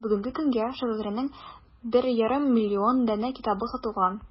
Бүгенге көндә шагыйрәнең 1,5 миллион данә китабы сатылган.